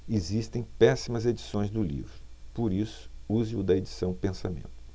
existem péssimas edições do livro por isso use o da edição pensamento